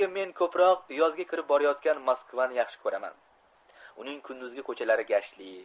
men ko'proq yozga kirib borayotgan moskvani yaxshi ko'raman uning kunduzgi ko'chalari gashtli